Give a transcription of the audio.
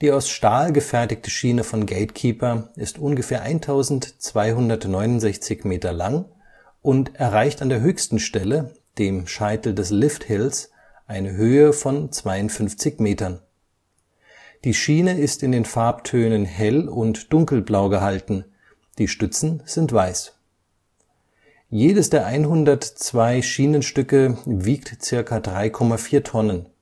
aus Stahl gefertigte Schiene von GateKeeper ist ungefähr 1269 Meter lang und erreicht an der höchsten Stelle, dem Scheitel des Lifthills, eine Höhe von 52 Metern. Die Schiene ist in den Farbtönen Hell - und Dunkelblau gehalten; die Stützen sind weiß. Jedes der 102 Schienenstücke wiegt ca. 3,4 Tonnen